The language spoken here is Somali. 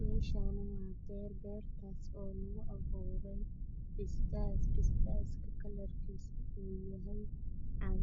Meeshaan waxaa ka muuqda basbas ah oo midabkiisu yahay cagaar caleentiisana ay